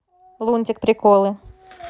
лунтик приколы